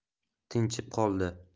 tinchib qoldi